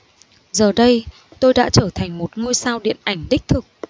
giờ đây tôi đã trở thành một ngôi sao điện ảnh đích thực